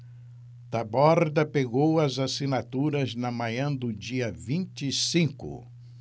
taborda pegou as assinaturas na manhã do dia vinte e cinco